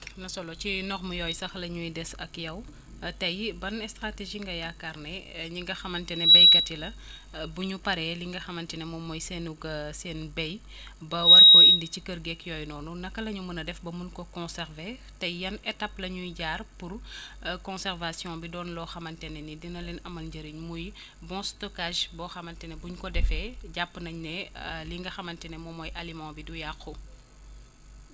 am na solo ci normes yooyu sax la ñuy desandi ak yow tey ban stratégie nga yaakaar ne ñi nga xamante ne béykat yi la bu ñu paree li nga xamante ni moom mooy seenug seen béy ba war koo indi ci kër geek yooyu noonu naka la ñu mën a def ba mën ko conserver tey yan étapes la ñuy jaar pour conservation bi doon loo xamante ne ni dina leen amal njëriñ muy bon stockage boo xamante ne bu ñu ko defee jàpp nañ ne li nga xamante ne moom mooy aliment bi du yàqu